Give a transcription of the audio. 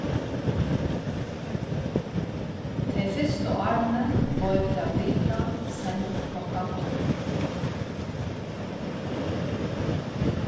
tey fyrstu árini bleiv dagur og vika send klokkan átta